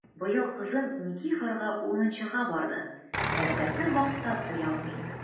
Быел кызым Никифарга унынчыга барды— мәктәпне мактап туялмый!